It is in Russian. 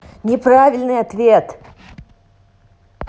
неправильный ответ